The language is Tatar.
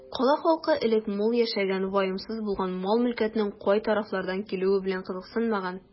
Кала халкы элек мул яшәгән, ваемсыз булган, мал-мөлкәтнең кай тарафлардан килүе белән кызыксынмаган.